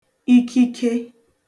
ikike